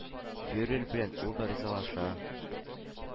Фюрер белән ул да “ризалаша”